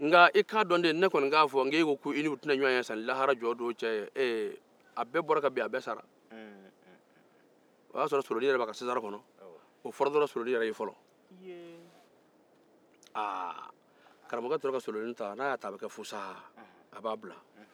ne y'a fɔ ko e ko ko i n'u tɛna ɲɔgɔn ye sani lahara jɔdon cɛ a bɛɛ sara o y'a sɔrɔ solonin yɛrɛ b'a ka sansara kɔnɔ o fɔra dɔrɔn solonin yɛrɛ y'i bin karamɔgɔkɛ tora ka solonin ta n'a y'a ta a be ke fusaa a b'a bila